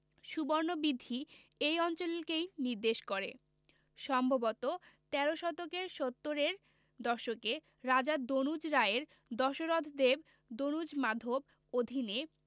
সুবর্ণবীথি এই অঞ্চলকেই নির্দেশ করে সম্ভবত তেরো শতকের সত্তুরের দশকে রাজা দনুজ রায়ের দশরথদেব দনুজমাধব অধীনে